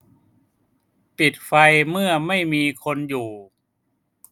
ปิดไฟเมื่อไม่มีคนอยู่